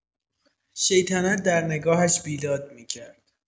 شیطنت در نگاهش بیداد می‌کرد.